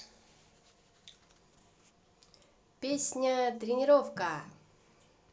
песня тренировка